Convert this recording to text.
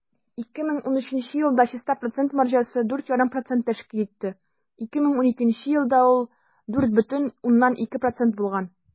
2013 елда чиста процент маржасы 4,5 % тәшкил итте, 2012 елда ул 4,2 % булган.